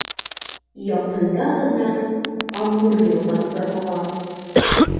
Якында гына Амур елгасы ага.